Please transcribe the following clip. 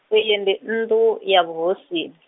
iyi ndi nnḓu, ya vhuhosini.